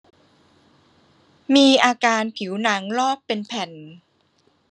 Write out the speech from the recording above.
มีอาการผิวหนังลอกเป็นแผ่น